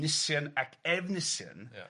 Nisien ac Efnisien... Ia.